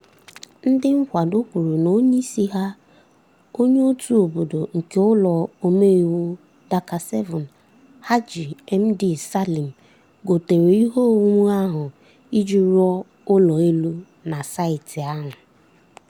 Ndị nkwado kwuru na onye isi ha, onye òtù obodo nke ụlọ omeiwu (Dhaka-7) Haji Md. Salim, gotere ihe onwunwe ahụ iji rụọ ụlọ elu na saịtị ahụ.